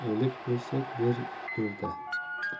o'lik bo'lsak bir go'rda